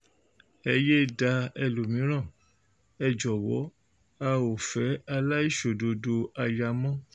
“Ẹ yé é da ẹlòmíràn, ẹ jọ̀wọ́ a ò fẹ́ aláìṣòdodo aya mọ́.